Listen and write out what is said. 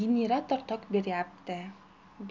generatortok beryapti